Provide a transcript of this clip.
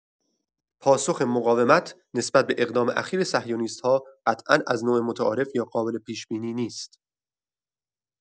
پاسخ مقاومت نسبت به اقدام اخیر صهیونیست‌ها قطعا از نوع متعارف یا قابل پیش‌بینی نیست.